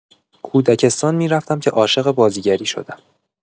کودکستان می‌رفتم که عاشق بازیگری شدم.